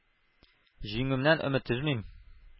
Җиңүемнән өмет өзмим,